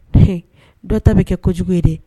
Ee dɔ ta bɛ kɛ jugu ye de